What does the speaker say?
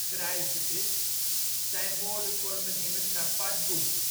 de schrijver is, zijn woorden vormen immers een apart boek